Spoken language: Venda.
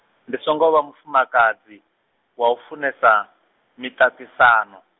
ndi songo vha mufumakadzi, wa u funesa, miṱaṱisano.